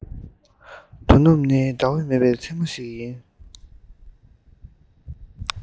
དོ ནུབ ནི ཟླ འོད མེད པའི མཚན མོ ཞིག ཡིན